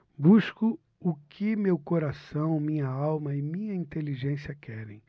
busco o que meu coração minha alma e minha inteligência querem